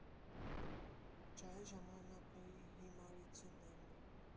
Ջահել ժամանակների հիմարություններն էին։